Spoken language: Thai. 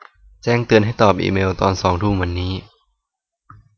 แจ้งเตือนให้ตอบอีเมลตอนสองทุ่มวันนี้